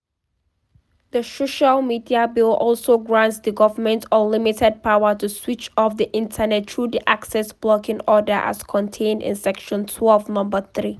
The social media bill also grants the government unlimited power to switch off the internet, through the "Access Blocking Order" as contained in Section 12, number 3: